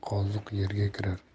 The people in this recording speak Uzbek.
yung qoziq yerga kirar